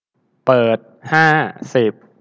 เปิดห้าสิบ